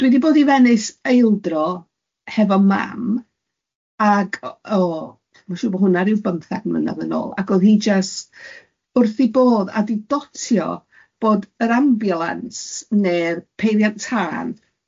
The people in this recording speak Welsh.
Dwi di bod i Venice eildro hefo mam, ag o mae'n siŵr bod hwnna ryw bymtheg mlynedd yn ôl, ac oedd hi jyst wrth ei bodd a di dotio bod yr ambulance neu'r peiriant tân.